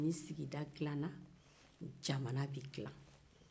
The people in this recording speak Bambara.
ni sigida dilara jamana bɛ dila